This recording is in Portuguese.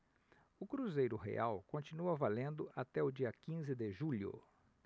o cruzeiro real continua valendo até o dia quinze de julho